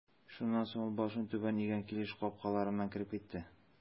Шуннан соң ул башын түбән игән килеш капкаларыннан кереп китте.